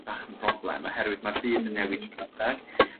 bach yn broblem oherwydd ma'r byd yn newid trw'r adag.